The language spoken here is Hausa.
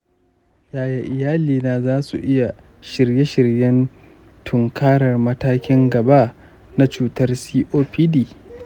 yaya iyalina za su iya shirye-shiryen tunkurar matakin gaba na cutar copd?